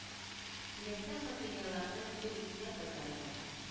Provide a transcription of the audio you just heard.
Кирәксә материалларны кире үзеңә кайтарырмын